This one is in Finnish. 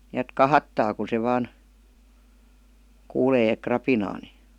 niin että kahahtaa kun se vain kuulee rapinaa niin